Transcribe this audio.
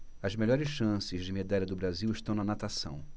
as melhores chances de medalha do brasil estão na natação